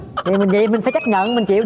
dậy mình dậy mình phải chấp nhận mình chịu được